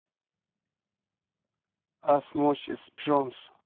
осмосис джонс